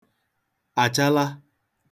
àchala [akpụ]